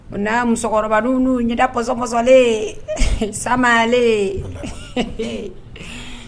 Musokɔrɔba dasɔsɔsɔlen sa